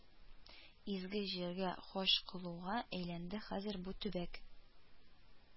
Изге җиргә хаҗ кылуга әйләнде хәзер бу төбәк